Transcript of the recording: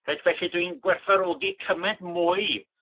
Reit felly dwi'n gwerthfawrogi cymaint mwy